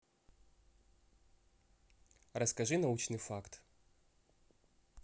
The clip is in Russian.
расскажи научный факт